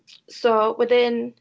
So wedyn...